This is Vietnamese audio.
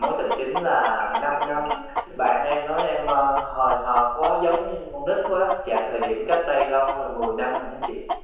mối tình chính là năm năm bạn em nói em a hời hợt quá giống như con nít quá dạ thời điểm cách đây lâu rồi mười năm rồi đó chị